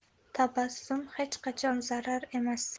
tabassum hech qachon zarar emas